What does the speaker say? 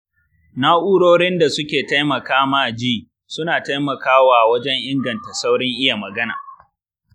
na'urorin da suke taimaka ma ji suna taimakawa wajen inganta saurin iya magana.